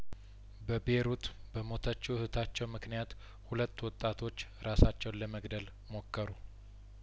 በቤይሩት በሞተችው እህታቸው ምክንያት ሁለት ወጣቶች እራሳቸውን ለመግደል ሞከሩ